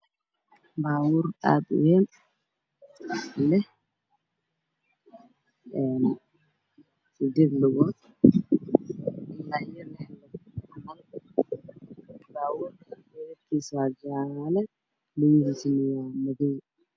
Baabuur aad u ween leh een sided lug baa Buurka midab kiisu waajale lugi hiisuna waa madow